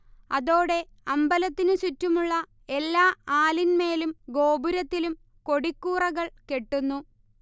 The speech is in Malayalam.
അതോടെ അമ്പലത്തിനു ചുറ്റുമുള്ള എല്ലാ ആലിന്മേലും ഗോപുരത്തിലും കൊടിക്കൂറകൾ കെട്ടുന്നു